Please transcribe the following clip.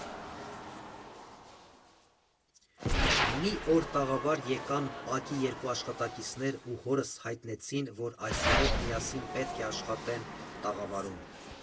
Մի օր տաղավար եկան ՊԱԿ֊ի երկու աշխատակիցներ ու հորս հայտնեցին, որ այսուհետ միասին պետք է աշխատեն տաղավարում։